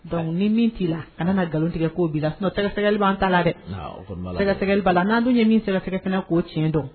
Don ni min t'i la an nana nkalontigɛ k'o bila la nɔ tɛsɛgɛli b'an t taa la dɛ sɛgɛsɛgɛli la n'a dun ye minsɛgɛkɛnɛ k'o cɛn dɔn